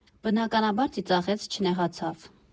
Բնականաբար ծիծաղեց, չնեղացավ։